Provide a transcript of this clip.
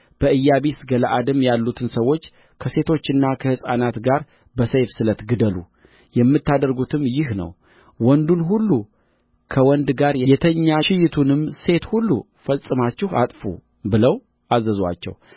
በኢያቢስ ገለዓድም ያሉትን ሰዎች ከሴቶችና ከሕፃናት ጋር በሰይፍ ስለት ግደሉ የምታደርጉትም ይህ ነው ወንዱን ሁሉ ከወንድ ጋር የተኛችይቱንም ሴት ሁሉ ፈጽማችሁ አጥፉ ብለው አዘዙአቸው